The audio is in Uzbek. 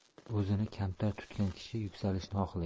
o'zini kamtar tutgan kishi yuksalishni xohlaydi